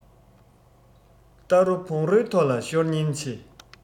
རྟ རོ བོང རོའི ཐོག ལ ཤོར ཉེན ཆེ